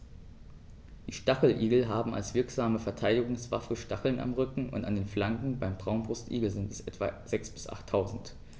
Die Stacheligel haben als wirksame Verteidigungswaffe Stacheln am Rücken und an den Flanken (beim Braunbrustigel sind es etwa sechs- bis achttausend).